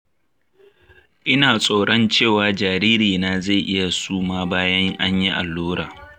ina tsoron cewa jaririna zai iya suma bayan anyi allura.